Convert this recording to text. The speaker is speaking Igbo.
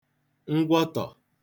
ngwọtọ̀